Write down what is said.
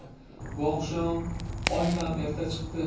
bu oqshom oy ham erta chiqdi